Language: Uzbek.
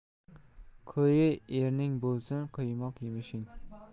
qui ering bo'lsin quymoq yemishing